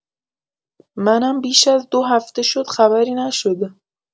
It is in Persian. منم بیش از دو هفته شد خبری نشده